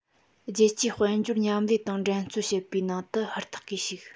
རྒྱལ སྤྱིའི དཔལ འབྱོར མཉམ ལས དང འགྲན རྩོད བྱེད པའི ནང དུ ཧུར ཐག གིས ཞུགས